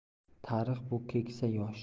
tarix bu keksa yosh